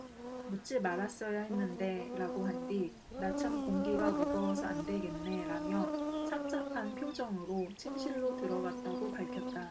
묻지 말았어야 했는데 라고 한 뒤 나 참 공기가 무거워서 안 되겠네라며 착잡한 표정으로 침실로 들어갔다고 밝혔다